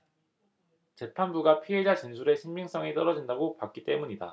재판부가 피해자 진술의 신빙성이 떨어진다고 봤기 때문이다